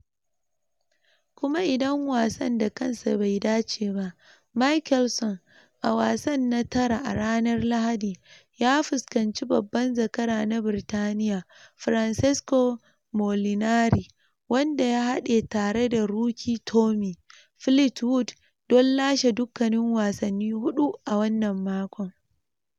Kuma idan wasan da kansa bai dace ba, Mickelson, a wasan na tara a ranar Lahadi, ya fuskanci babban zakara na Birtaniya Francesco Molinari, wanda ya haɗe tare da rookie Tommy Fleetwood don lashe dukkanin wasanni hudu a wannan makon.